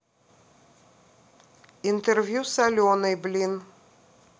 интервью с аленой блин